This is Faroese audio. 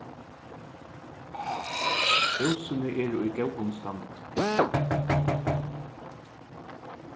húsini eru í góðum standi